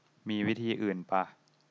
มีวิธีอื่นปะ